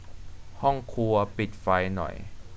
ห้องครัวปิดไฟหน่อย